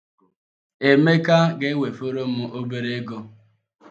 Emeka ga-ewefọrọ m obere ego.